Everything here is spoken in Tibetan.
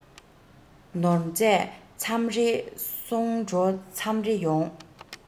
ནོར རྗས མཚམས རེ སོང འགྲོ མཚམས རེ ཡོང